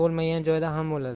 bo'lmagan joyda ham bo'ladi